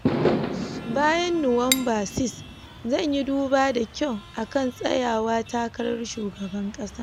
“Bayan Nuwamba 6, Zan yi duba da kyau akan tsayawa takarar shugaban kasa .”